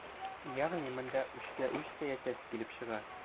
Ягъни монда үчкә-үч сәясәте килеп чыга.